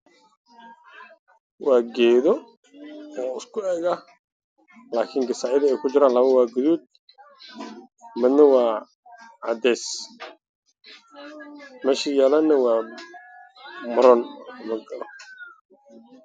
Waa geedo cagaaran oo ku jira weel